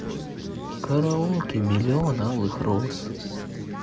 караоке миллион алых роз